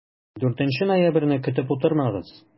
4 ноябрьне көтеп утырмагыз!